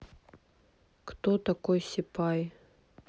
кто такой сипай